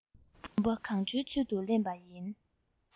བུམ པ གང བྱོའི ཚུལ དུ ལེན པ ཡིན